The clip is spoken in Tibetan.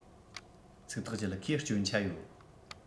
ཚིག ཐག བཅད ཁོས སྐྱོན ཆ ཡོད